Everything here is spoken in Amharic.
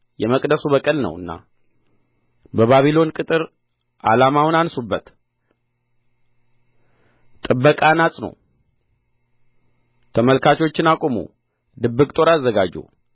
የመቅደሱ በቀል ነውና በባቢሎን ቅጥር ዓላማውን አንሡበት ጥበቃን አጽኑ ተመልካቾችን አቁሙ ድብቅ ጦር አዘጋጁ